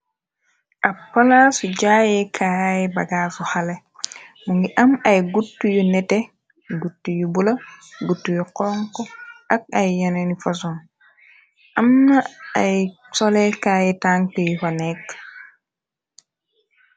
Ab palasu jaaye kaay bagaasu xale mu ngi am ay gutu yu neteh gutu yu bula gutu yu xonko ak ay yenen ni fason amna ay sole kaaye tanke yufa nekke.